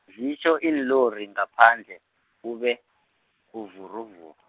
zitjho iinlori ngaphandle, kube, buvuruvuru.